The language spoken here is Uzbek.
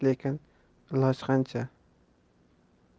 yu lekin iloj qancha